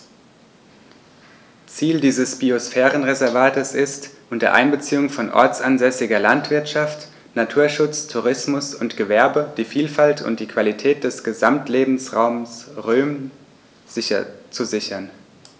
Ziel dieses Biosphärenreservates ist, unter Einbeziehung von ortsansässiger Landwirtschaft, Naturschutz, Tourismus und Gewerbe die Vielfalt und die Qualität des Gesamtlebensraumes Rhön zu sichern.